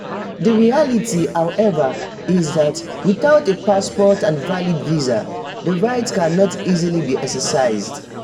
The reality, however, is that without a passport and valid visa, this right cannot easily be exercised.